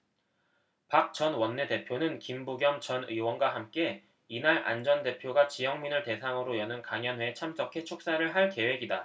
박 전 원내대표는 김부겸 전 의원과 함께 이날 안 전 대표가 지역민을 대상으로 여는 강연회에 참석해 축사를 할 계획이다